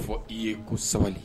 N' fɔ' i ye ko sabali